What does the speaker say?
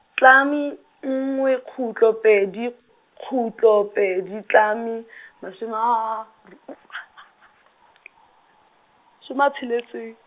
tlami nngwe kgutlo pedi, kgutlo pedi tlami , mashome a , shome a tsheletseng.